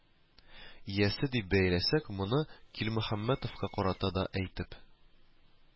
Иясе дип бәяләсәк, моны килмөхәммәтовка карата да әйтеп